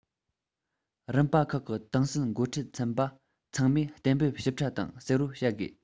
རིམ པ ཁག གི ཏང སྲིད འགོ ཁྲིད ཚན པ ཚང མས གཏན འབེབས ཞིབ ཕྲ དང གསལ པོར བྱ དགོས